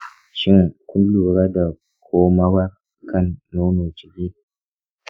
shin kun lura da komawar kan nono ciki?